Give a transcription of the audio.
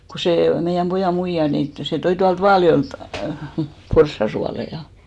kun se meidän pojan muija niin - se toi tuolta Vaaljoelta porsaan suolia